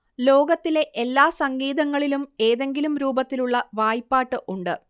ലോകത്തിലെ എല്ലാ സംഗീതങ്ങളിലും എതെങ്കിലും രൂപത്തിലുള്ള വായ്പ്പാട്ട് ഉണ്ട്